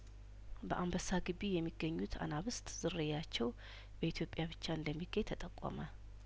በአንበሳ ግቢ የሚገኙት አናብስት ዝርያቸው በኢትዮጵያ ብቻ እንደሚገኝ ተጠቆመ